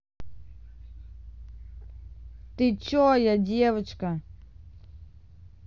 ты че я девочка